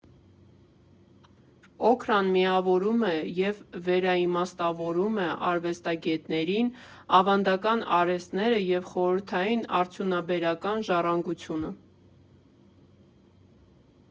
«Օքրան» միավորում և վերաիմաստավորում է արվեստագետներին, ավանդական արհեստները և խորհրդային արդյունաբերական ժառանգությունը։